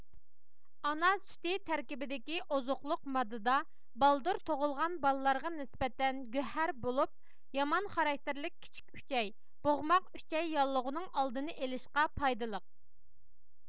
ئانا سۈتى تەركىبىدىكى ئوزۇقلۇق ماددىدا بالدۇر تۇغۇلغان بالىلارغا نىسبەتەن گۆھەر بولۇپ يامان خاراكتېرلىك كىچىك ئۈچەي بوغماق ئۈچەي ياللۇغىنىڭ ئالدىنى ئېلىشقا پايدىلىق